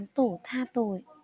tổ tha tội